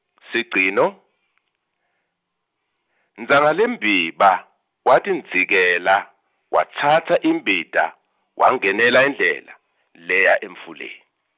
sigcino, Tsangalembiba watidzikela watsatsa imbita wangenela indlela leya emfuleni.